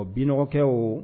O biɔgɔkɛ o